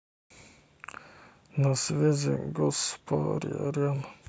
на связи гаспарян